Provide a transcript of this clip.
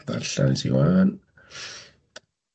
Ddarllen ti 'wan.